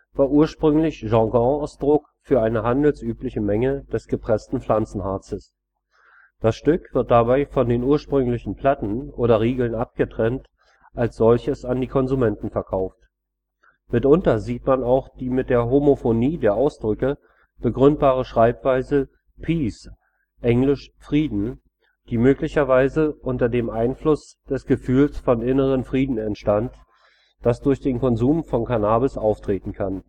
war ursprünglich Jargonausdruck für eine handelsübliche Menge des gepressten Pflanzenharzes. Das Stück wird dabei von den ursprünglichen Platten oder Riegeln abgetrennt, als solches an die Konsumenten verkauft. Mitunter sieht man auch die mit der Homophonie der Ausdrücke begründbare Schreibweise Peace (englisch Frieden), die möglicherweise unter dem Einfluss des Gefühls von innerem Frieden entstand, das durch den Konsum von Cannabis auftreten kann